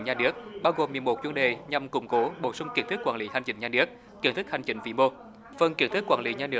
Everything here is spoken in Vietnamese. nhà nước bao gồm một chủ đề nhằm củng cố bổ sung kiến thức quản lý hành chính nhà nước kiến thức hành trình vĩ mô phần kiến thức quản lý nhà nước